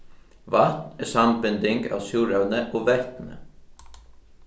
vatn er sambinding av súrevni og vetni